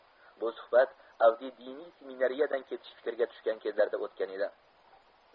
bu suhbat avdiy diniy seminariyadan ketish fikriga tushgan kezlarda o'tgan edi